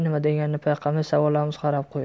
nima deganini payqamay savolomuz qarab qo'ydi